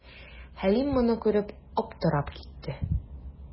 Хәлим моны күреп, аптырап китә.